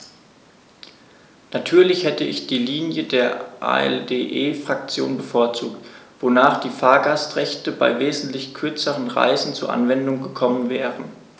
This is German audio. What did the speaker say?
Natürlich hätte ich die Linie der ALDE-Fraktion bevorzugt, wonach die Fahrgastrechte bei wesentlich kürzeren Reisen zur Anwendung gekommen wären.